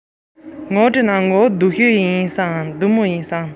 ཡང ཡང བྱས ཀྱང བར མཚམས མེད པར ངུས